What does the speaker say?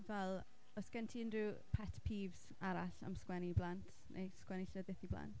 Fel oes gen ti unrhyw pet peeves arall am sgwennu i blant neu sgwennu llenyddiaeth i blant?